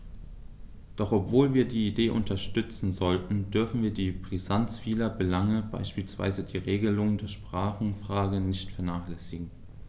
Doch obwohl wir die Idee unterstützen sollten, dürfen wir die Brisanz vieler Belange, beispielsweise die Regelung der Sprachenfrage, nicht vernachlässigen.